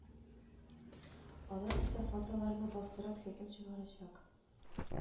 Алар исә фотоларны бастырып, хөкем чыгарачак